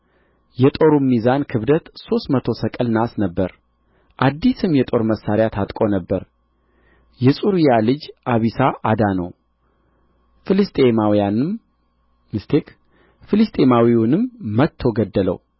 የጦሩም ሚዛን ክብደት ሦስት መቶ ሰቅል ናስ ነበረ አዲስም የጦር መሣሪያ ታጥቆ ነበር የጽሩያም ልጅ አቢሳ አዳነው ፍልስጥኤማዊውንም መትቶ ገደለው